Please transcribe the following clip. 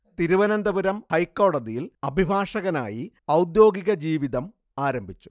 തിരുവനന്തപുരം ഹൈക്കോടതിയിൽ അഭിഭാഷകനായി ഔദ്യോഗിക ജീവിതം ആരംഭിച്ചു